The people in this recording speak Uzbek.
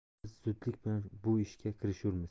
biz zudlik bilan bu ishga kirishurmiz